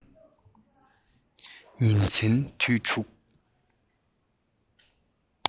ཉིན མཚན དུས དྲུག